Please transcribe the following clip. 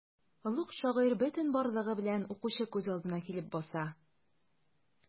Олуг шагыйрь бөтен барлыгы белән укучы күз алдына килеп баса.